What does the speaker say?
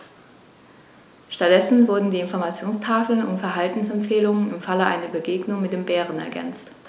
Stattdessen wurden die Informationstafeln um Verhaltensempfehlungen im Falle einer Begegnung mit dem Bären ergänzt.